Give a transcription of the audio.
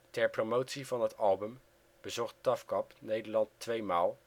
Ter promotie van het album bezocht TAFKAP Nederland twee maal